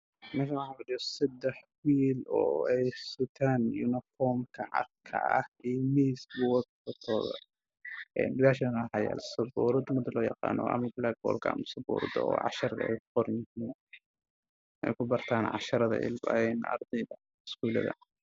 Waa wiilal oo wataan shatiyo caddaan waxa ay joogeen iskuul kuras ayey ku fadhiyaan waana afr wiil